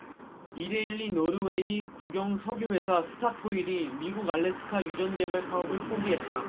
이데일리 노르웨이 국영석유회사 스타토일이 미국 알래스카 유전개발 사업을 포기했다